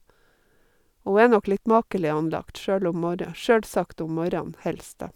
Hun er nok litt makelig anlagt, sjølv om morra sjølsagt om morgenen, helst, da.